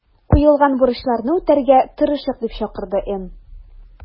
Куелган бурычларны үтәргә тырышыйк”, - дип чакырды Н.